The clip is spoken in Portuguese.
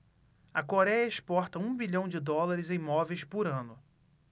a coréia exporta um bilhão de dólares em móveis por ano